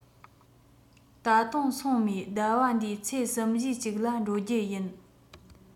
ད དུང སོང མེད ཟླ བ འདིའི ཚེས གསུམ བཞིའི གཅིག ལ འགྲོ རྒྱུུ ཡིན